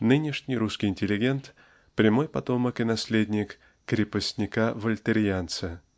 Нынешний русский интеллигент--прямой потомок и наследник крепостника-вольтерьянца.